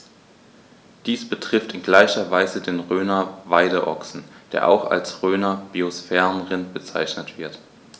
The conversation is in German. Dies betrifft in gleicher Weise den Rhöner Weideochsen, der auch als Rhöner Biosphärenrind bezeichnet wird.